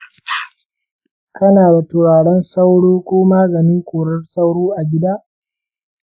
kana da turaren sauro ko maganin korar sauro a gida?